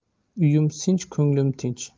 uyim sinch ko'nglim tinch